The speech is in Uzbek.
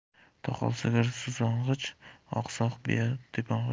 to'qol sigir suzong'ich oqsoq biya tepong'ich